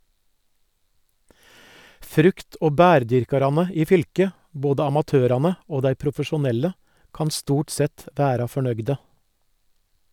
Frukt- og bærdyrkarane i fylket, både amatørane og dei profesjonelle, kan stort sett vera fornøgde.